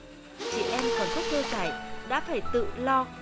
chị em còn rất thơ dại đã phải tự lo